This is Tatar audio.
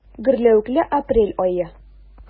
Гөрләвекле апрель ае.